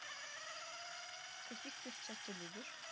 каких певцов ты любишь